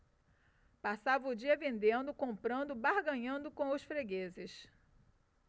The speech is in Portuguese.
passava o dia vendendo comprando barganhando com os fregueses